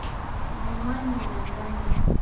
внимание наверное